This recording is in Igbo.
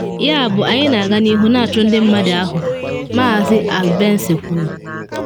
Yabụ anyị na aga n’ihu na achụ ndị mmadụ ahụ,” Maazị Albence kwuru.